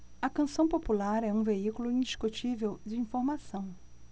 a canção popular é um veículo indiscutível de informação